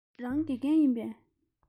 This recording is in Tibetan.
རང དགེ རྒན ཡིན པས